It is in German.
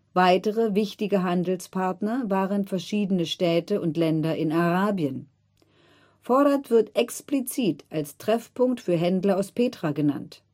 Weitere wichtige Handelspartner waren verschiedene Städte und Länder in Arabien. Forat wird explizit als Treffpunkt für Händler aus Petra genannt